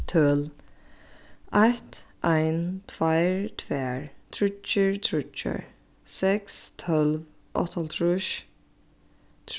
tøl eitt ein tveir tvær tríggir tríggjar seks tólv áttaoghálvtrýss